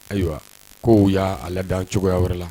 Ayiwa ko y'a laada cogoya wɛrɛ la